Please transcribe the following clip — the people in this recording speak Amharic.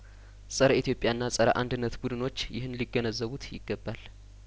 ጸረ ኢትዮጵያና ጸረ አንድነት ቡድኖች ይህን ሊገነዘቡት ይገባል